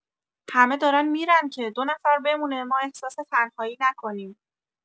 همه دارن می‌رن که دو نفر بمونه ما احساس تنهایی نکنیم